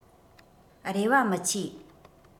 རེ བ མི ཆེ